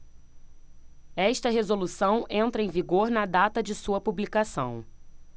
esta resolução entra em vigor na data de sua publicação